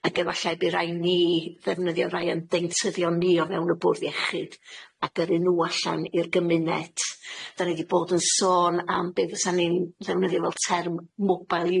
Ac efallai bu rai ni ddefnyddio rai o'n deintyddion ni o fewn y bwrdd iechyd a gyrru n'w allan i'r gymuned, da ni di bod yn sôn am be' fysan ni'n ddefnyddio fel term mobile